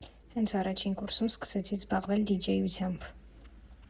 Հենց առաջին կուրսում սկսեցի զբաղվել դիջեյությամբ։